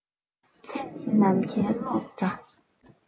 ཚེ ནི ནམ མཁའི གློག འདྲ